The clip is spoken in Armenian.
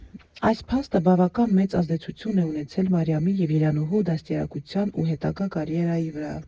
Այս փաստը բավական մեծ ազդեցություն է ունեցել Մարիամի և Երանուհու դաստիարակության ու հետագա կարիերայի վրա։